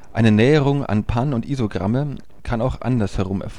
Eine Näherung an Pan - und Isogramme kann auch andersherum